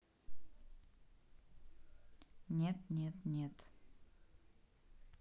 нет нет нет